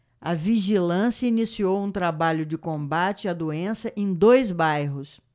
a vigilância iniciou um trabalho de combate à doença em dois bairros